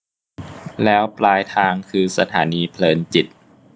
แล้วปลายทางคือสถานีเพลินจิต